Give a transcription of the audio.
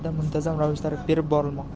muntazam ravishda berib borilmoqda